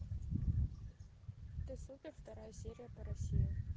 ты супер вторая серия по россии